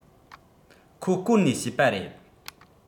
ཁོ བསྐོལ ནས ཤེས པ རེད